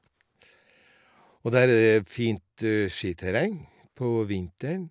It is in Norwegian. Og der er det fint skiterreng på vinteren.